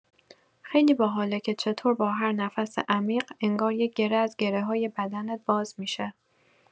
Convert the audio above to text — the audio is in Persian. خیلی باحاله که چطور با هر نفس عمیق، انگار یه گره از گره‌های بدنت باز می‌شه.